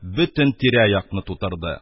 Бөтен тирә-якны тутырды.